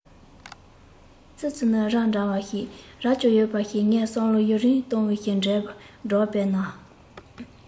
ཙི ཙི ནི ར འདྲ བ ཞིག རྭ ཅོ ཡོད པ ཞིག ངས བསམ བློ ཡུན རིང བཏང བའི འབྲས བུ བསྒྲགས པས ན